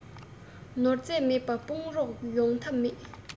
ནོར རྫས མེད པར དཔུང རོགས ཡོང ཐབས མེད